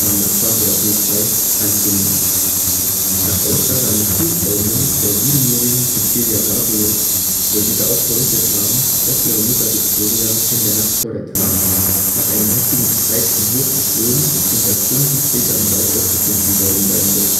Nachbarn/Polizei) anzunehmen. Nach Aussage einer Schulfreundin der siebenjährigen Cäzilia Gabriel soll diese auch berichtet haben, dass ihre Mutter Viktoria in der Nacht vor der Tat nach einem heftigen Streit vom Hof geflohen und erst Stunden später im Wald aufgefunden worden sein soll